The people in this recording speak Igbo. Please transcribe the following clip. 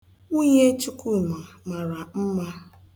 Nwunye Chukwuma mara mma.